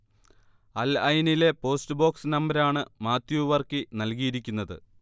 അൽ ഐ നിലെ post box നമ്പരാണ് മാത്യു വർക്കി നൽകിയിരിക്കുന്നത്